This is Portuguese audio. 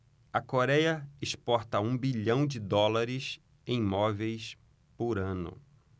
a coréia exporta um bilhão de dólares em móveis por ano